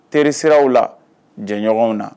Teri siraw la, jɛɲɔgɔnw na.